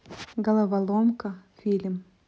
головоломка фильм